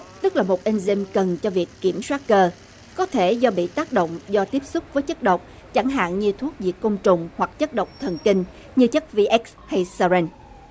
tức là một en rim cần cho việc kiểm soát cờ có thể do bị tác động do tiếp xúc với chất độc chẳng hạn như thuốc diệt côn trùng hoặc chất độc thần kinh như chất vi ích hay sa rin